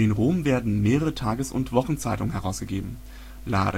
Rom werden mehrere Tages - und Wochenzeitungen herausgegeben: La